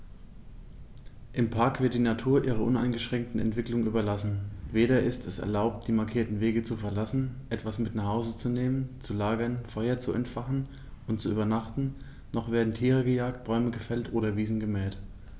Im Park wird die Natur ihrer uneingeschränkten Entwicklung überlassen; weder ist es erlaubt, die markierten Wege zu verlassen, etwas mit nach Hause zu nehmen, zu lagern, Feuer zu entfachen und zu übernachten, noch werden Tiere gejagt, Bäume gefällt oder Wiesen gemäht.